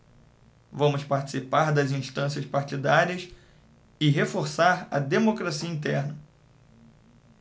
vamos participar das instâncias partidárias e reforçar a democracia interna